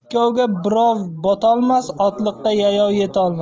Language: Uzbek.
ikkovga birov botolmas otliqqa yayov yetolmas